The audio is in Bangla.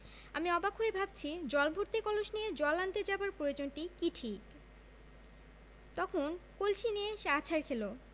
আমি অবাক হয়ে ভাবছি জল ভর্তি কলস নিয়ে জল আনতে যাবার প্রয়োজনটি কি ঠিক তখন কলসি নিয়ে সে আছাড় খেলো